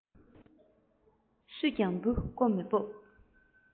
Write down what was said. སུས ཀྱང འབུ རྐོ མི སྤོབས